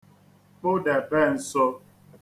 kpụdèbe nsō